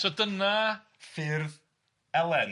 So dyna ffyrdd Elen.